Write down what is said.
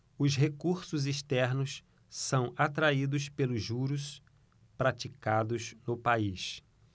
os recursos externos são atraídos pelos juros praticados no país